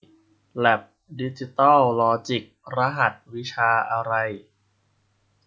แล็บดิจิตอลลอจิครหัสวิชาอะไร